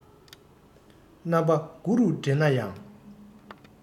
རྣམ པ དགུ རུ འདྲེན ན ཡང